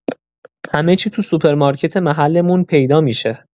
همه‌چی تو سوپرمارکت محله‌مون پیدا می‌شه.